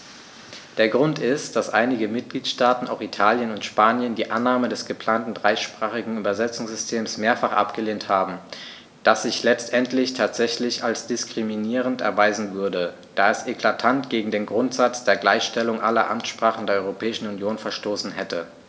Der Grund ist, dass einige Mitgliedstaaten - auch Italien und Spanien - die Annahme des geplanten dreisprachigen Übersetzungssystems mehrfach abgelehnt haben, das sich letztendlich tatsächlich als diskriminierend erweisen würde, da es eklatant gegen den Grundsatz der Gleichstellung aller Amtssprachen der Europäischen Union verstoßen hätte.